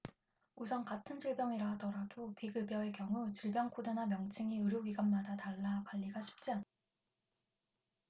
우선 같은 질병이라 하더라도 비급여의 경우 질병 코드나 명칭이 의료기관마다 달라 관리가 쉽지 않다